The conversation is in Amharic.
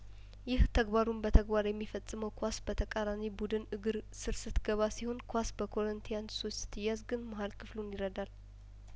ይህ ተግባሩን በተግባር የሚፈጽመው ኳስ በተቃራኒ ቡድን እግር ስር ስትገባ ሲሆን ኳስ በኮሪንቲያንሶች ስትያዝ ግን መሀል ክፍሉን ይረዳል